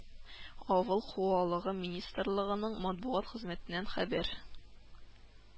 Авыл ху алыгы министрлыгының матбугат хезмәтеннән хәбәр